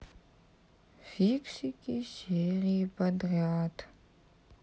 фиксики серии подряд